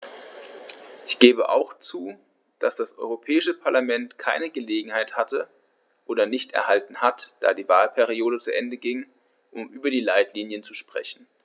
Ich gebe auch zu, dass das Europäische Parlament keine Gelegenheit hatte - oder nicht erhalten hat, da die Wahlperiode zu Ende ging -, um über die Leitlinien zu sprechen.